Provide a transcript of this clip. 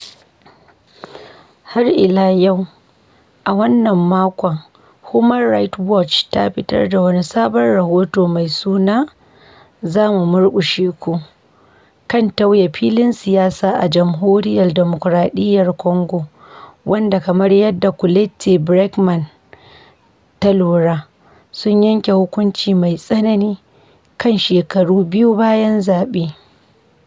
Har ila yau a wannan makon, Human Rights Watch ta fitar da wani sabon rahoto mai suna “Za mu murƙushe ku”, kan tauye filin siyasa a Jamhuriyar Demokaradiyyar Kongo, wanda kamar yadda Colette Braeckman ta lura “sun yanke hukunci mai tsanani kan shekaru biyu bayan zaɓe”.